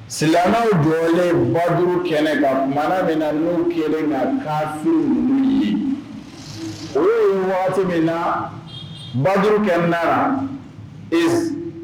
Silamɛw jɔlen badu kɛnɛbaumana min na n'u kɛlen na kafe ye u waati min na badu kɛmɛɛna e